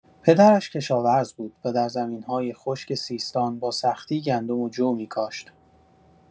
پدرش کشاورز بود و در زمین‌های خشک سیستان با سختی گندم و جو می‌کاشت.